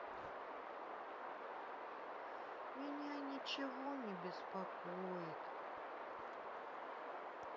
меня ничего не беспокоит